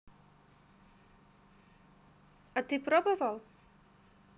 а ты пробовал